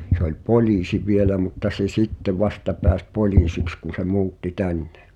se oli poliisi vielä mutta se sitten vasta pääsi poliisiksi kun se muutti tänne